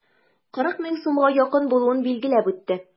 40 мең сумга якын булуын билгеләп үтте.